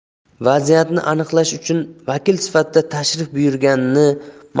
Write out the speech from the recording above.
vaziyatni aniqlash uchun vakil sifatida tashrif buyurganini